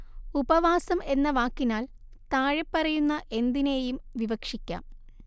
ഉപവാസം എന്ന വാക്കിനാൽ താഴെപ്പറയുന്ന എന്തിനേയും വിവക്ഷിക്കാം